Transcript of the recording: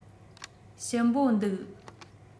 ཞིམ པོ འདུག